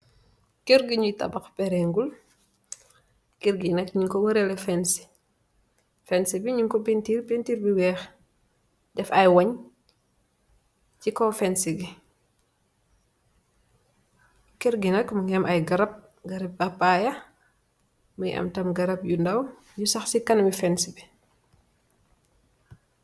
Kër gi ñuy tabax perengul, kërgi nak ñuñ ko mërele fensi, fens bi ñuñ ko pintiir, pintiir bu weex, def ay weñ si kaw fensi gi, kër gi nak mu nge am ay garab, garab bapaaya muy am tam garab yu ndaw, yu sax ci kanami fens bi